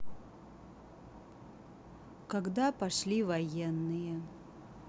когда пошли военные